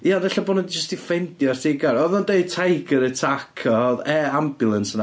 Ia, ond ella bod nhw jyst di ffeindio'r teigar. Oedd o'n deud tiger attack. Oedd air ambulance yna.